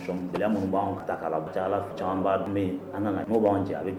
Son minnu b'an ala caman jumɛn an nana b'an cɛ